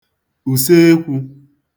ùseekwū